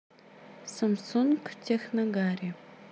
самсунг техногарри